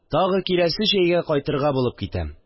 Тагы киләсе җәйгә кайтырга булып китәм